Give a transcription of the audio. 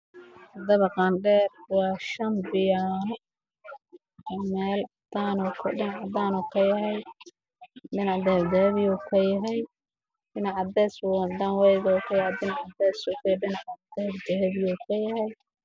Waa guri dabaq ah midabkiis yahay caddaan qaxwi